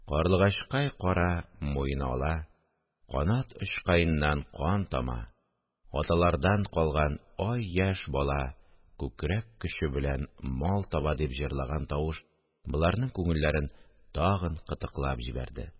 – карлыгачкай кара, муены ала, канат очкаеннан кан тама; аталардан калган, ай, яшь бала күкрәк көче белән мал таба... – дип җырлаган тавыш боларның күңелләрен тагын кытыклап җибәрде.